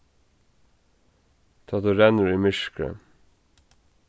tá tú rennur í myrkri